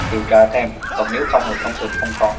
điều tra thêm còn nếu không thông thường không có